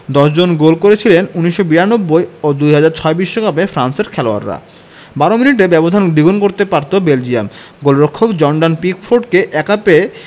১০ জন গোল করেছিলেন ১৯৮২ ও ২০০৬ বিশ্বকাপে ফ্রান্সের খেলোয়াড়রা ১২ মিনিটে ব্যবধান দ্বিগুণ করতে পারত বেলজিয়াম গোলরক্ষক জর্ডান পিকফোর্ডকে একা পেয়ে